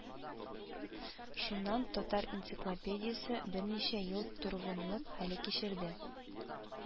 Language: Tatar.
Шуннан татар энциклопедиясе берничә ел торгынлык хәле кичерде